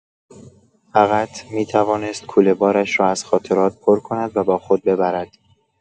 فقط می‌توانست کوله‌بارش را از خاطرات پر کند و با خود ببرد.